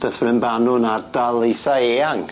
Dyffryn Banw'n ardal eitha eang.